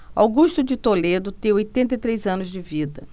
augusto de toledo tem oitenta e três anos de vida